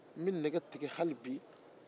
n bɛ nɛgɛ tigɛ halibi